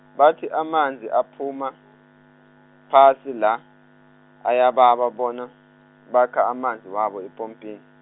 bathi amanzi aphuma , phasi la, ayababa bona, bakha amanzi wabo epompini.